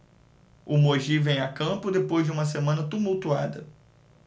o mogi vem a campo depois de uma semana tumultuada